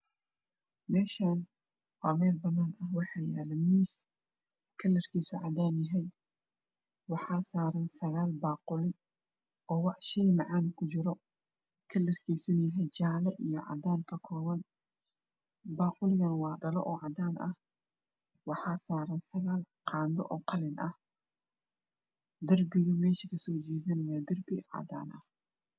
Meeshan waa meel banaan waxaa yaalo miis kalar kiisu cadaan yahay waxaana saaran sagaal baaquli oo shay macaan kujiro kalarkiisana caadan iyo jaalo ka kooban baaquligana waa cadaan dhala ah waxaana saaran sagal qaado oo qalin ah darbiga mesha kasoo jeddana waa darbi cadaan ah